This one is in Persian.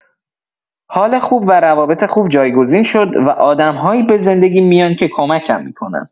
حال خوب و روابط خوب جایگزین شد و آدم‌هایی به زندگیم میان که کمکم می‌کنن.